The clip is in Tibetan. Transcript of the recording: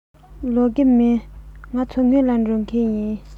ལོག གི མིན ང མཚོ སྔོན ལ འགྲོ མཁན ཡིན